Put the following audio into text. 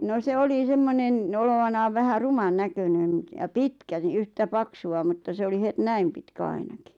no se oli semmoinen olevinaan vähän ruman näköinen - ja pitkä niin yhtä paksua mutta se oli heti näin pitkä ainakin